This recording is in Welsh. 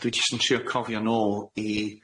A dwi jyst yn trio cofio nôl i